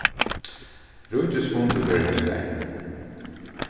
ríkisfundur verður hósdagin